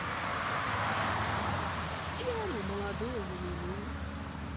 пьяный молодой на мели